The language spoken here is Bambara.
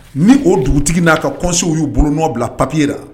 Min o dugutigi n'a ka kɔsow y'u bolo nɔ bila papie la